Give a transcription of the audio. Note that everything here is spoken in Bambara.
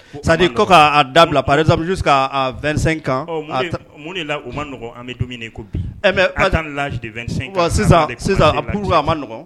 C'est à dire ko k'a dabila par exemple jjusqu'à 25 ans ɔ mun de la o man nɔgɔn an bɛ don min na i ko bi attendre l'âge de 25 ans